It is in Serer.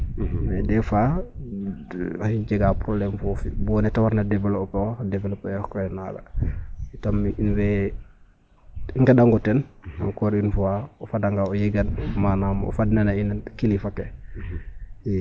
Mais des fois maxey jega problème foofi bo ne ta warna développer oox développer ooxker naaga in way nqeɗang o ten encore une fois o fadanga o yegan manam o fadnan a in kilifa ke ii.